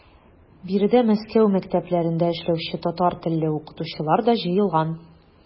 Биредә Мәскәү мәктәпләрендә эшләүче татар телле укытучылар да җыелган.